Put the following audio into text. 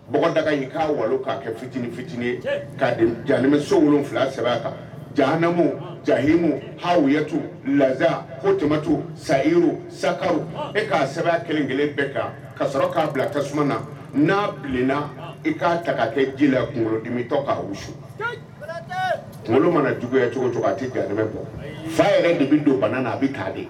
Bagada y k'a wali k'a kɛ fitinin fitinin ye ka jamɛ sofila sɛ kan jamu jahimu ha yetu la komatu sayi sakaww e k'a sɛya kelenkelen bɛɛ kan ka sɔrɔ k'a bila tasuma na n'a bilenna i k'a ta' kɛ ji kunkolo dimitɔ k' wusu kunkolo mana juguya cogo cogo a tɛ jamɛ bɔ fa yɛrɛ de bɛ don bana na a bɛ k'a de